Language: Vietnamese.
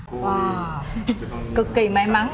oa cực kì may mắn